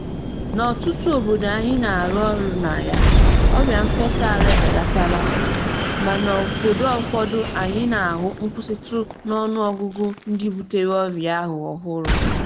N'ọtụtụ obodo anyị na-arụ ọrụ na ya, ọrịa mfesa ahụ ebelatala, ma n'obodo ụfọdụ anyị na-ahụ nkwụsịtụ n'ọnụọgụgụ ndị butere ọrịa ahụ ọhụrụ.